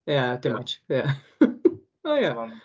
Ia, dim ots. Ia o ia.